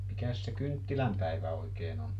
mikäs se kynttilänpäivä oikein on